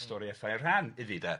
Stori â thair rhan iddi 'de.